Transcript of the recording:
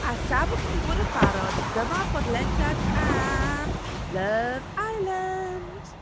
A 'sa bo' chi'n gwbod yn barod, dyma bodlediad am Love Island!